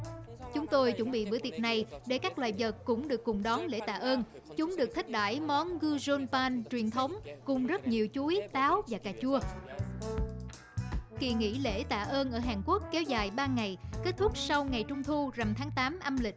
chúng tôi chuẩn bị bữa tiệc này để các loài vật cũng được cùng đón lễ tạ ơn chúng được thiết đãi món gư giôn pan truyền thống cùng rất nhiều chuối táo và cà chua kỳ nghỉ lễ tạ ơn ở hàn quốc kéo dài ba ngày kết thúc sau ngày trung thu rằm tháng tám âm lịch